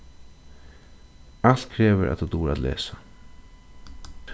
alt krevur at tú dugir at lesa